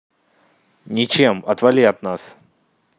ничем отвали от нас